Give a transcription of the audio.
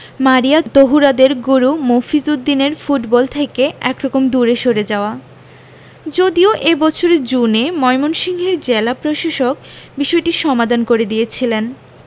মারিয়া তহুরাদের গুরু মফিজ উদ্দিনের ফুটবল থেকে একরকম দূরে সরে যাওয়া যদিও এ বছরের জুনে ময়মনসিংহের জেলা প্রশাসক বিষয়টির সমাধান করে দিয়েছিলেন